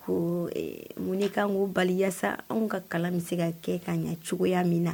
Ko munkan ko baliyasa anw ka kala bɛ se ka kɛ ka' ɲɛ cogoya min na